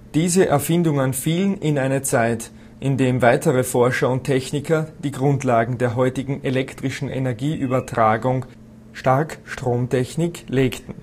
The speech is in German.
Diese Erfindungen fielen in eine Zeit, in dem weitere Forscher und Techniker die Grundlagen der heutigen elektrischen Energieübertragung (" Starkstromtechnik ") legten